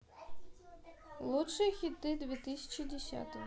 лучшие хиты две тысячи десятого